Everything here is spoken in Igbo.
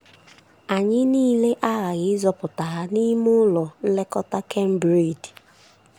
Anyị niile aghaghị ịzọpụta ha n'ime ụlọ nlekọta kemberede.